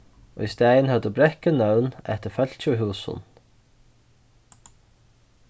í staðin høvdu brekkur nøvn eftir fólki og húsum